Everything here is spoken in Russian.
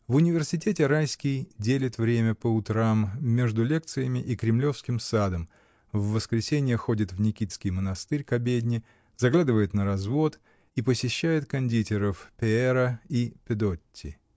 В университете Райский делит время, по утрам, между лекциями и Кремлевским садом, в воскресенье ходит в Никитский монастырь к обедне, заглядывает на развод и посещает кондитеров Пеэра и Педотти.